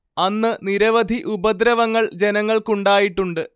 അന്ന് നിരവധി ഉപദ്രവങ്ങൾ ജനങ്ങൾക്കുണ്ടായിട്ടുണ്ട്